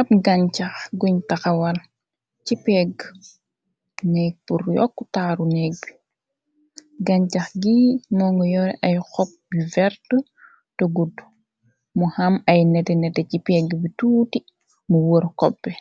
ab gancax guñ taxawal ci pégg nékg bu yokk taaru nékg bi gancax gi mo ngu yore ay xob bu verd te gud mu ham ay nete nete ci pégg bi tuuti mu wër xopbe